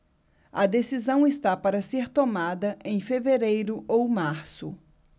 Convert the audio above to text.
a decisão está para ser tomada em fevereiro ou março